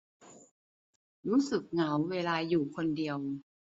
รู้สึกเหงาเวลาอยู่คนเดียว